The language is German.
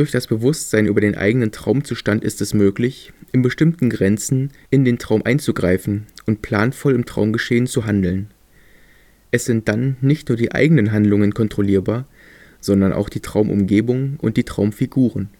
das Bewusstsein über den eigenen Traumzustand ist es möglich, in bestimmten Grenzen in den Traum einzugreifen und planvoll im Traumgeschehen zu handeln. Es sind dann nicht nur die eigenen Handlungen kontrollierbar, sondern auch die Traumumgebung und die Traumfiguren